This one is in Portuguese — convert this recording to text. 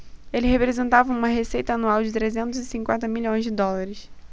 ele representava uma receita anual de trezentos e cinquenta milhões de dólares